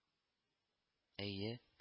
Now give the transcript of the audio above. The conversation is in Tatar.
— әйе